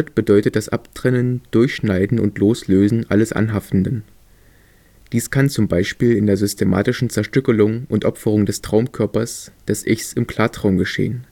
bedeutet das Abtrennen, Durchschneiden und Loslösen alles Anhaftenden. Dies kann zum Beispiel in der systematischen Zerstückelung und Opferung des Traumkörpers, des Ichs im Klartraum geschehen